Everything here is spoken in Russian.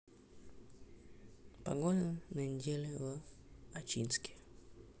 погода на неделю в ачинске